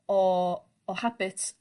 o o habit a ma'...